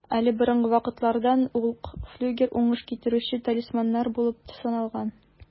Әле борынгы вакытлардан ук флюгер уңыш китерүче талисманнар булып саналган.